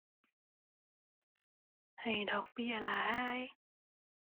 ให้ดอกเบี้ยหลาย